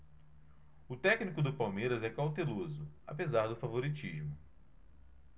o técnico do palmeiras é cauteloso apesar do favoritismo